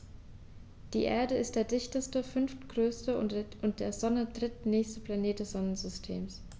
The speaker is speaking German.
Die Erde ist der dichteste, fünftgrößte und der Sonne drittnächste Planet des Sonnensystems.